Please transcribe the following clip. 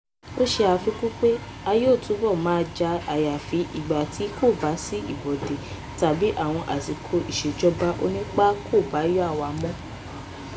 Ó ṣe àfikún pé: "A yóò túbọ̀ máa jà àyàfi ìgbà tí kò bá sí ibodè tàbí àwọn àsìkò ìṣèjọba onípá kò bá yà wá mọ́."